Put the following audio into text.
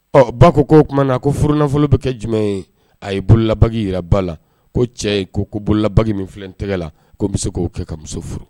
Ɔ ba ko, ko o tuma na ko furunafolo bɛ kɛ jumɛn ye? A ye bolola bague jira a ba la, ko cɛ ye, ko bolola bague min filɛ tɛgɛ la ko bɛ se k'o kɛ ka muso furu.